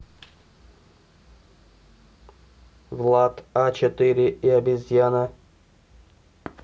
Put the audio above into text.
влад а четыре и обезьяна